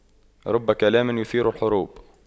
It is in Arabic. رب كلام يثير الحروب